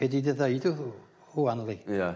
Fedri di ddeud y rŵ- rhŵan yli. Ie.